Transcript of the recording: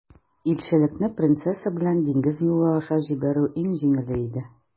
Илчелекне принцесса белән диңгез юлы аша җибәрү иң җиңеле иде.